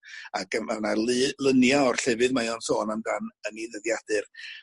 Ag yym a mae lu- lynia o'r llefydd mae o'n sôn amdan yn 'i ddyddiadur.